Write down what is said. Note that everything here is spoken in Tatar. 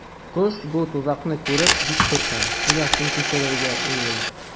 Кош бу тозакны күреп бик курка, оясын күчерергә уйлый.